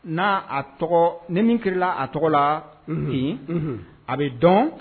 N'a a tɔgɔ ni min kila a tɔgɔ la min a bɛ dɔn